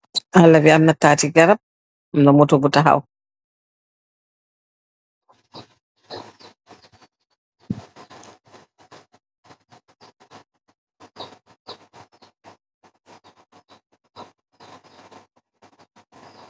Alabi emmna tati garab, emmna motor bu tahaw .